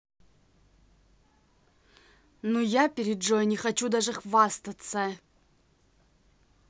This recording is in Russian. ну я перед джой не хочу даже хвастаться